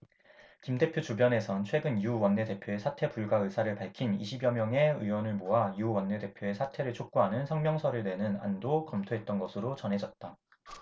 김 대표 주변에선 최근 유 원내대표의 사퇴 불가 의사를 밝힌 이십 여 명의 의원을 모아 유 원내대표의 사퇴를 촉구하는 성명서를 내는 안도 검토했던 것으로 전해졌다